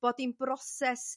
bod hi'n broses